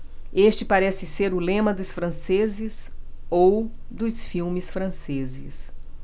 este parece ser o lema dos franceses ou dos filmes franceses